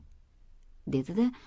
dedi da